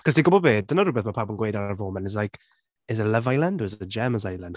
'Cause ti’n gwybod be? Dyna rhywbeth mae pawb yn gweud ar y foment is like, is it Love Island or is it the Gemma’s Island?